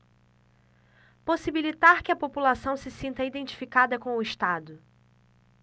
possibilitar que a população se sinta identificada com o estado